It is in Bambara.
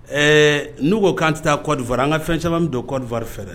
Ɛɛ n'u ko kanan tɛ taa cowa an ka fɛn caman min don coɔriwa fɛɛrɛ dɛ